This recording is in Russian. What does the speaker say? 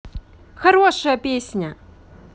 хорошая песня